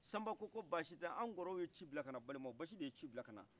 sanba ko basitɛ an kɔrɔye ci bilakana mbalimaw basidi ye ci bila kana